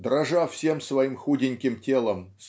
дрожа всем своим худеньким телом